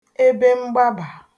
ebemgbabà